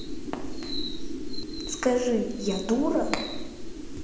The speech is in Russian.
скажи я дура